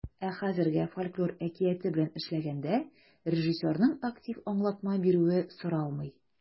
Ә хәзергә фольклор әкияте белән эшләгәндә режиссерның актив аңлатма бирүе соралмый.